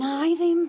Na i ddim.